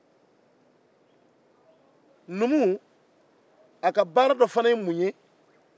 numu ka baara dɔ fana ye mun ye